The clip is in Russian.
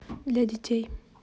для детей